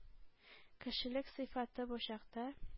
Кешелек сыйфаты бу чакта,